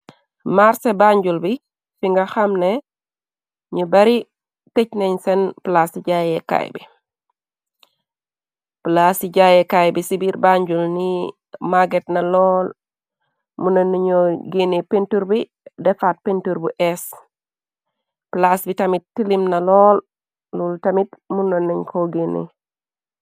Marse bànjul bi fi nga xam ne ñu bari tëjnañ seen plaas ijayekaay bi. Plaas ci jaaye kaay bi ci biir bànjul ni magget na lool. mu na niñuo ginni pintur bi defaat pintur bu ees plaas bi tamit tilim na loolul tamit muna nañ ko ginne.